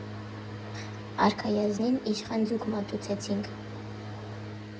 Արքայազնին իշխան ձուկ մատուցեցինք։